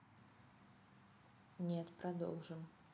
нет продолжим